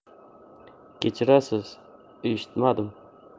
kechirasiz eshitmadim